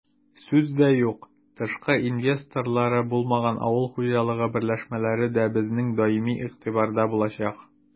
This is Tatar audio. Сүз дә юк, тышкы инвесторлары булмаган авыл хуҗалыгы берләшмәләре дә безнең даими игътибарда булачак.